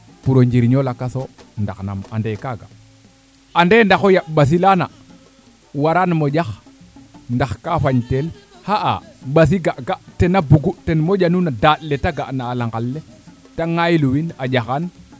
pour o njirño lakaoso ndax nam ande kaga ande ndax o ya ɓasi lana waraan mo ƴax ndax ka fañ teel xa'a ɓasi ga ga tena bugu ten moƴa nun daand le te ga na a langa le te ngaay lu win a ƴaxaan